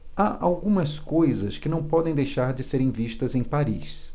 há algumas coisas que não podem deixar de serem vistas em paris